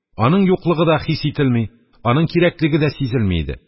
Аның юклыгы да хис ителми, аның кирәклеге дә сизелми иде.